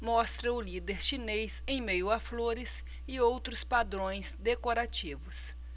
mostra o líder chinês em meio a flores e outros padrões decorativos